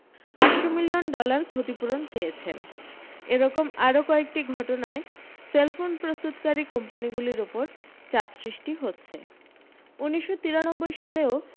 আটশ million dollar ক্ষতিপূরণ চেয়েছেন এরকম আরও কয়েকটি ঘটনায় সেলফোন প্রস্তুতকারী কোম্পানিগুলির ওপর চাপ সৃষ্টি হচ্ছে উনিশশ তিরানব্বই সালেও